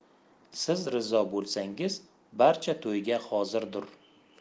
siz rizo bo'lsangiz barcha to'yga hozirdur